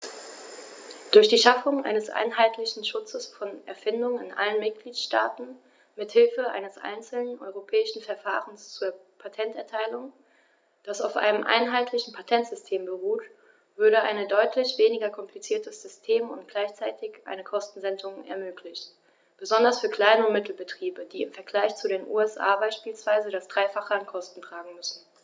Durch die Schaffung eines einheitlichen Schutzes von Erfindungen in allen Mitgliedstaaten mit Hilfe eines einzelnen europäischen Verfahrens zur Patenterteilung, das auf einem einheitlichen Patentsystem beruht, würde ein deutlich weniger kompliziertes System und gleichzeitig eine Kostensenkung ermöglicht, besonders für Klein- und Mittelbetriebe, die im Vergleich zu den USA beispielsweise das dreifache an Kosten tragen müssen.